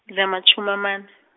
namatjhumi amane.